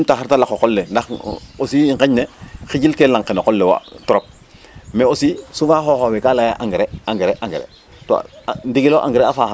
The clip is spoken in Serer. o jimb taxar te laq o qol le ndax o fi nqeñ ne xijel ke laŋ ke no qol le wo' trop mais aussi souvent xooxoox we ga layaa engrais egrais ndigil lo engrais a faaxa